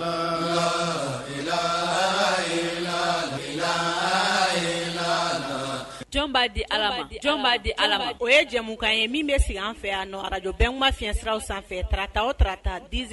'a di jɔna di ala o ye jɛmukan ye min bɛ sigi an fɛ yanjdenw ma fiɲɛsiraw sanfɛ tata o tata diz z